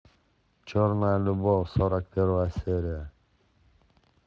черная любовь сорок первая серия